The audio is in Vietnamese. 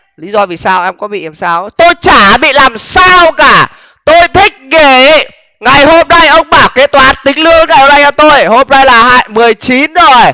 lý do vì sao em có bị làm sao tôi chả bị làm sao cả tôi thích nghỉ ngày hôm nay ông bảo kế toán tính lương cho tôi hôm nay là mười chín rồi